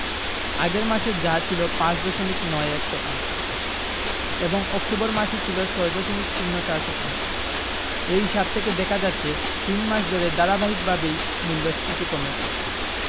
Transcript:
আগের মাসে যা ছিল ৫ দশমিক ৯১ শতাংশ এবং অক্টোবর মাসে ছিল ৬ দশমিক ০৪ শতাংশ এ হিসাব থেকে দেখা যাচ্ছে তিন মাস ধরে ধারাবাহিকভাবেই মূল্যস্ফীতি কমেছে